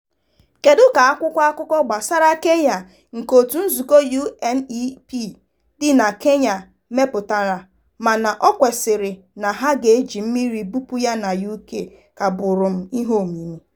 kedu ka akwụkwọ akụkọ gbasara Kenya nke òtù nzukọ (UNEP) dị na Kenya mepụtara mana o kwesịrị na ha ga-eji mmịrị bụpụ ya na UK ka bụrụ mụ iheomimi.